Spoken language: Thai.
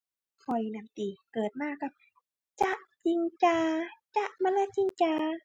ข้อนนั่นติ เกิดมากับ จ๊ะทิงจา จ๊ะมะละทิงจา